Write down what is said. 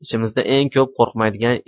ichimizda eng ko'p qo'rqmaydigan